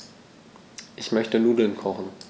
Ich möchte Nudeln kochen.